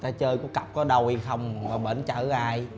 ta chơi có cặp có đôi hông qua bển chơi với ai